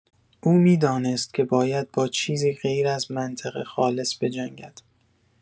او می‌دانست که باید با چیزی غیراز منطق خالص بجنگد.